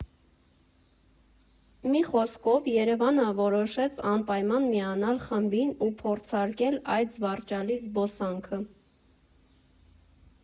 Մի խոսքով, ԵՐԵՎԱՆ֊ը որոշեց անպայման միանալ խմբին ու փորձարկել այդ զվարճալի զբոսանքը։